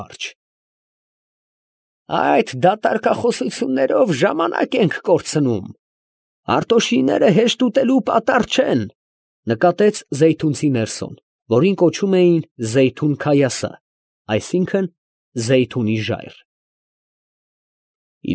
Արջ։ ֊ Այդ դատարկախոսություններով ժամանակ ենք կորցնում, Հարտոշիները հեշտ ուտելու պատառ չեն… ֊ նկատեց զեյթունցի Ներսոն, որին կոչում էին Զեյթուն֊Քայասը, այսինքն՝ Զեյթունի Ժայռ։ ֊